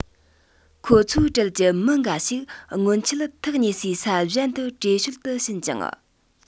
ཁོ ཚོའི གྲལ གྱི མི འགའ ཞིག སྔོན ཆད ཐག ཉེ སའི ས གཞན དུ བྲོས བྱོལ དུ ཕྱིན ཀྱང